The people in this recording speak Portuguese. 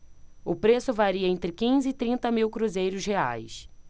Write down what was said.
o preço varia entre quinze e trinta mil cruzeiros reais